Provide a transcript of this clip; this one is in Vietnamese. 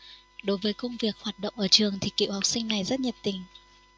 đối với công việc hoạt động ở trường thì cựu học sinh này rất nhiệt tình